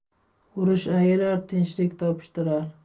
urush ayirar tinchlik topishtirar